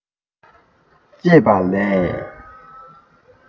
ཅེས པ ལས